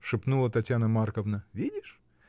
— шепнула Татьяна Марковна, — видишь!